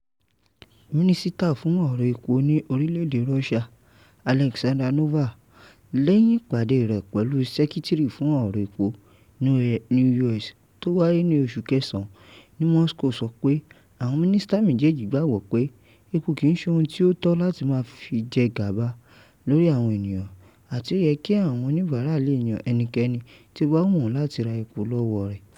"Mínísítà fún ọ̀rọ̀ epo ní orílẹ̀èdè Russia Aleksandr Novak, lẹ́yìn ìpàdé rẹ̀ pẹ̀lú Sẹ́kẹ́tìrì fún ọ̀rọ̀ epo ni US tó wáyé ní oṣù kẹsàán ní Moscow sọ pé àwọn Mínísítà méjèèjì gbàgbọ́ pé epo kìí ṣe ohun tí ó tọ́ láti máa fi jẹ gàba lórí àwọn ènìyàn àti o yẹ kí àwọn oníbàárà le yan ẹnikẹ́ni tí ó bá wù wọ́n láti ra epo lọ́wọ́ rẹ̀.